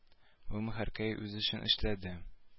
Бу мөһеркәй үз эшен эшләде